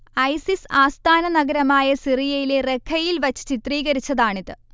ISIS ആസ്ഥാന നഗരമായ സിറിയയിലെ റഖ്ഖയിൽ വച്ച് ചിത്രീകരിച്ചതാണിത്